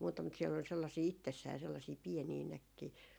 muuta mutta siellä oli sellaisia itsessään sellaisia pieniä näkkejä